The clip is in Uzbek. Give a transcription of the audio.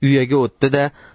uyaga o'tdi da